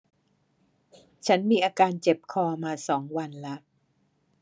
ฉันมีอาการเจ็บคอมาสองวันแล้ว